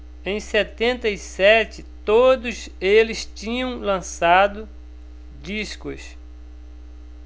em setenta e sete todos eles tinham lançado discos